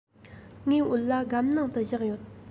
ངའི བོད ལྭ སྒམ ནང དུ བཞག ཡོད